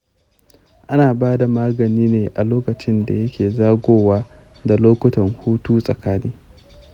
ana bada maganin ne a lokacin da yake zagayowa da lokutan hutu tsakani.